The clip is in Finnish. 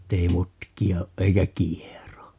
että ei mutkia ole eikä kiero